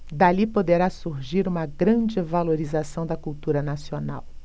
dali poderá surgir uma grande valorização da cultura nacional